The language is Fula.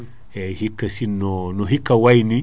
eyyi hikka sinno no hikka wayni